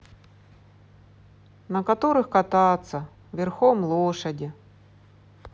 на которых кататься верхом лошади